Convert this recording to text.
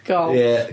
Golff... Ie.